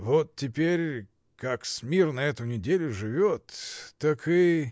— Вот теперь, как смирно эту неделю живет, так и.